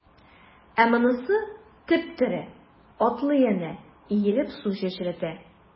Ә монысы— теп-тере, атлый әнә, иелеп су чәчрәтә.